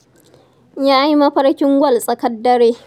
Ya yi mafarkin gwal tsakar dare.